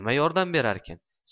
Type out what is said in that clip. nima yordam berarkin